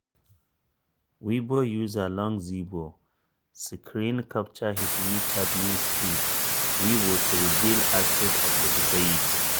Weibo user Long Zhigao screen captured his WeChat newsfeed on Weibo to reveal aspects of the debate.